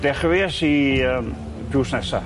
Dechreues i yym drws nesa.